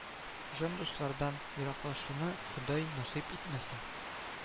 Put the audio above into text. Җан дуслардан ераклашуны Ходай насыйп итмәсен